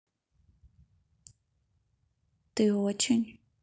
ты очень